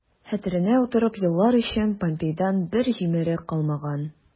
Хәтеренә утырып елар өчен помпейдан бер җимерек калмаган...